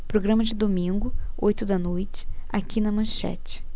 programa de domingo oito da noite aqui na manchete